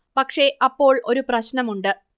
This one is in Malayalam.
പക്ഷെ അപ്പോൾ ഒരു പ്രശ്നം ഉണ്ട്